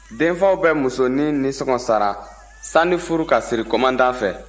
denfaw bɛ musonin nisɔngɔ sara sani furu ka siri komandan fɛ